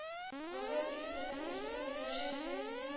Казан июль татар-информ миләүшә низаметдин